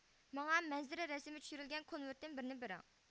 ماڭا مەنزىرە رەسىمى چۈشۈرۈلگەن كونۋېرتتىن بىرنى بېرىڭ